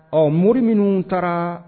Ɔ mori minnu taara